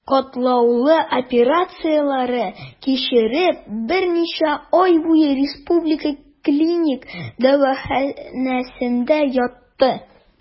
Катлаулы операцияләр кичереп, берничә ай буе Республика клиник дәваханәсендә ятты.